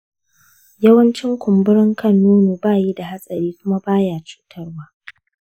yawancin kumburin kan nono bayi da hatsari kuma bayi cutarwa.